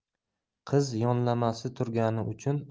qiz yonlamasi turgani uchun